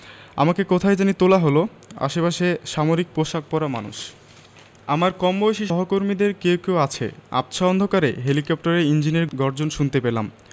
আমাকে কোথায় জানি তোলা হলো আশেপাশে সামরিক পোশাক পরা মানুষ আমার কমবয়সী সহকর্মীদের কেউ কেউ আছে আবছা অন্ধকারে হেলিকপ্টারের ইঞ্জিনের গর্জন শুনতে পেলাম